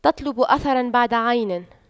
تطلب أثراً بعد عين